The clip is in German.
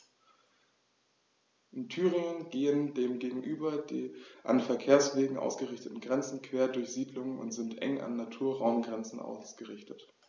In Thüringen gehen dem gegenüber die an Verkehrswegen ausgerichteten Grenzen quer durch Siedlungen und sind eng an Naturraumgrenzen ausgerichtet.